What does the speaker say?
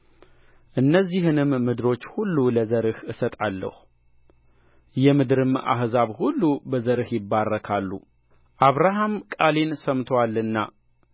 እነዚህንም ምድሮች ሁሉ ለዘርህ እሰጣለሁ የምድርም አህዛብ ሁሉ በዘርህ ይባረካሉ አብርሃም ቃሌን ሰምቶአልና